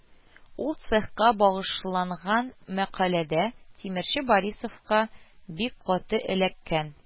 Ул цехка багышланган мәкаләдә тимерче Борисовка бик каты эләккән